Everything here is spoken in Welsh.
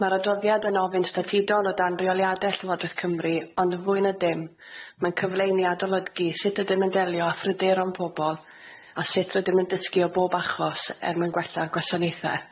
Ma'r adroddiad yn ofyn statudon o dan reoliade Llywodrith Cymru ond yn fwy na dim, ma'n cyfleu i ni adolygu sut ydyn yn delio â phryderon pobol a sut rydym yn dysgu o bob achos er mwyn gwella gwasanaethe.